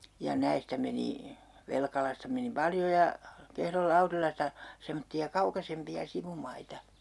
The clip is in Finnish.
ja näistä meni Velkalasta meni paljon ja Kehron Laurilasta semmoisia kaukaisempia sivumaita